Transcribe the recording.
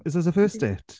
Is this a first date?